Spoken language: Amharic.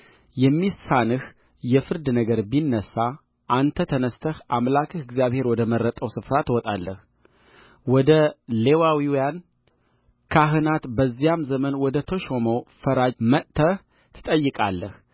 የሚሳንህ የፍርድ ነገር ቢነሣ አንተ ተነሥተህ አምላክህ እግዚአብሔር ወደ መረጠው ስፍራ ትወጣለህ ወደ ሌዋውያን ካህናት በዚያም ዘመን ወደ ተሾመው ፈራጅ መጥተህ ትጠይቃለህ